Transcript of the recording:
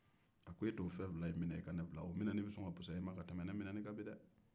a ko e t'o fɛn fila in mine i ka ne bila o minɛni be sɔn ka fusaya e ma ka tɛmɛ ne mineni kan bi dɛ